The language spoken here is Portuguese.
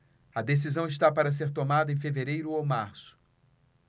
a decisão está para ser tomada em fevereiro ou março